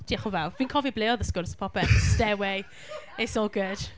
Diolch yn fawr. Dwi'n cofio ble oedd y sgwrs a popeth. Stairway. It's all good.